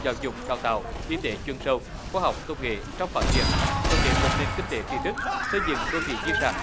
giáo dục đào tạo y tế chuyên sâu khoa học công nghệ trong phát triển cực điểm buộc nền kinh tế tri thức xây dựng đô thị di sản